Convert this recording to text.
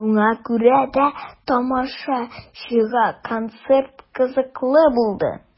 Шуңа күрә дә тамашачыга концерт кызыклы булды.